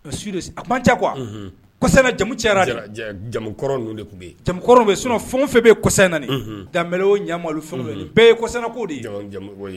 Au Sud-est a tun mana caa ' quoi unhun, kosɛbɛ, jamu cɛyala de kɔsa in na, jamu kɔrɔw de tun bɛ yen, sinon fɛn o fɛn bɛ yen Kɔsa in na ni ye, unhun, Danbɛlɛ o Niambali o , unhun, nin bɛɛ ye kɔsa in na ko de ye., jamu, jamu